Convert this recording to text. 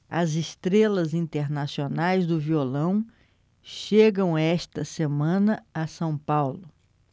as estrelas internacionais do violão chegam esta semana a são paulo